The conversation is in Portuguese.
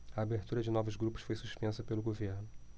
a abertura de novos grupos foi suspensa pelo governo